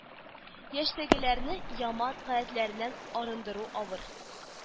Яшьтәгеләрне яман гадәтләреннән арындыру авыр